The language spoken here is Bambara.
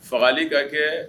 Fagali ka kɛ